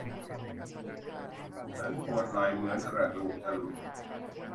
ฉันปวดไหล่เหมือนกระดูกจะหลุด